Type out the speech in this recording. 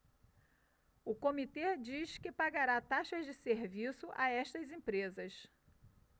o comitê diz que pagará taxas de serviço a estas empresas